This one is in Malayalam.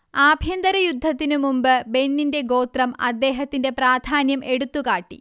ആഭ്യന്തരയുദ്ധത്തിനുമുമ്പ് ബെന്നിന്റെ ഗോത്രം അദ്ദേഹത്തിന്റെ പ്രാധാന്യം എടുത്തുകാട്ടി